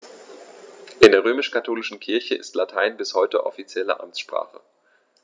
In der römisch-katholischen Kirche ist Latein bis heute offizielle Amtssprache.